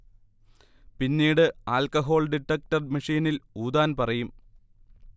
പിന്നീട് alcohol detector മെഷീനിൽ ഊതാൻ പറയും